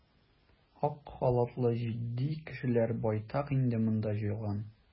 Ак халатлы җитди кешеләр байтак инде монда җыелган.